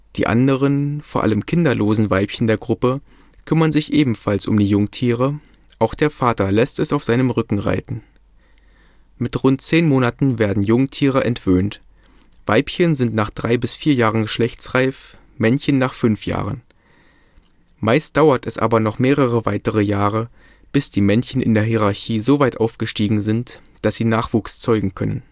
Die anderen, vor allem kinderlosen Weibchen der Gruppe kümmern sich ebenfalls um die Jungtiere, auch der Vater lässt es auf seinem Rücken reiten. Mit rund zehn Monaten werden Jungtiere entwöhnt; Weibchen sind nach drei bis vier Jahren geschlechtsreif, Männchen nach fünf Jahren. Meist dauert es aber noch mehrere weitere Jahre, bis die Männchen in der Hierarchie so weit aufgestiegen sind, dass sie Nachwuchs zeugen können